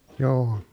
juu